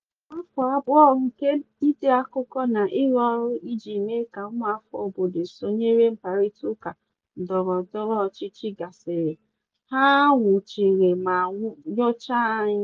Ka afọ abụọ nke ide akwụkwọ na ịrụ ọrụ iji mee ka ụmụafọ obodo sonyere mkparịtaụka ndọrọ ndọrọ ọchịchị gasịrị, a nwụchiri ma nyochaa anyị.